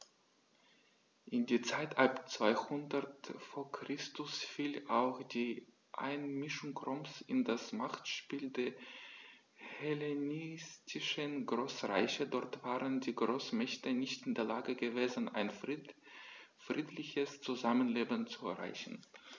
In die Zeit ab 200 v. Chr. fiel auch die Einmischung Roms in das Machtspiel der hellenistischen Großreiche: Dort waren die Großmächte nicht in der Lage gewesen, ein friedliches Zusammenleben zu erreichen.